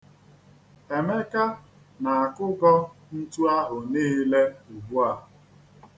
Emeka na-akụgọ ntu ahụ niile ugbua.